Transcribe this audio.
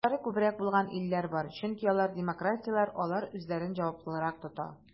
Хокуклары күбрәк булган илләр бар, чөнки алар демократияләр, алар үзләрен җаваплырак тота.